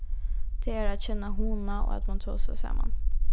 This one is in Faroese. tað er at kenna hugna og at mann tosar saman